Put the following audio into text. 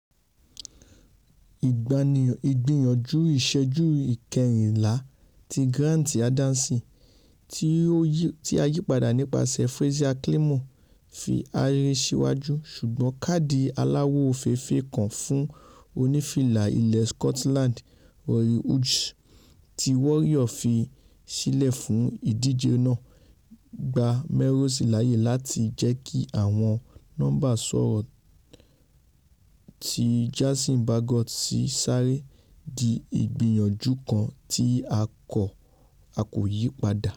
Ìgbìyànjú ìṣẹ́jú ìkẹrìnlá ti Grant Anderson, ti a yípada nípaṣẹ̀ Frazier Climo, fi Ayr síwájú, ṣùgbọ́n káàdì aláwọ̀ òfééèfé kan fún onífìla ilẹ̀ Scotland Rory Hughes, tí Warriors fi sílẹ̀ fún ìdíje náà, gba Melrose láyè láti jẹ́kí àwọn nọmba sọ̀rọ̀ tí Jason Baggot sì sáré di ìgbìyànjú kan tí a kò yípadà mu.